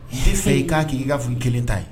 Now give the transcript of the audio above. I b'i fɛ i k' k kɛ i k'a fɔ i kelen ta ye